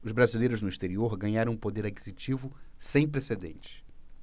os brasileiros no exterior ganharam um poder aquisitivo sem precedentes